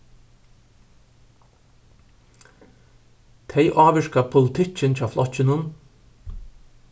tey ávirka politikkin hjá flokkinum